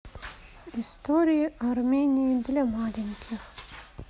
история армении для маленьких